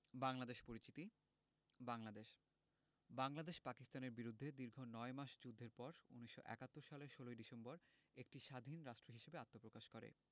বাংলাদেশ পরিচিতি বাংলাদেশ বাংলাদেশ পাকিস্তানের বিরুদ্ধে দীর্ঘ নয় মাস যুদ্ধের পর ১৯৭১ সালের ১৬ ডিসেম্বর একটি স্বাধীন রাষ্ট্র হিসেবে আত্মপ্রকাশ করে